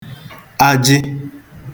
ajị